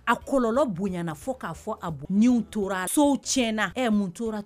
A kɔlɔ bonyana fɔ k'a fɔ a ni tora so tiɲɛna mun tora ten